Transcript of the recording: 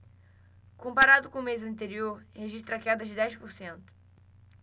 comparado com o mês anterior registra queda de dez por cento